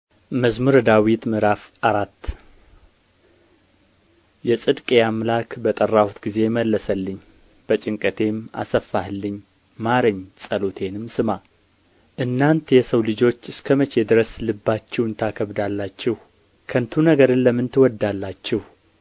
መዝሙር ምዕራፍ አራት የጽድቄ አምላክ በጠራሁት ጊዜ መለሰልኝ በጭንቀቴም አሰፋህልኝ ማረኝ ጸሎቴንም ስማ እናንት የሰው ልጆች እስከ መቼ ድረስ ልባችሁን ታከብዳላችሁ ከንቱ ነገርን ለምን ትወዳላችሁ